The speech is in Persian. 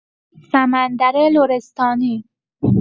سمندر لرستانی